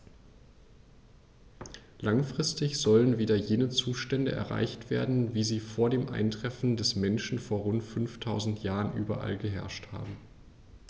Langfristig sollen wieder jene Zustände erreicht werden, wie sie vor dem Eintreffen des Menschen vor rund 5000 Jahren überall geherrscht haben.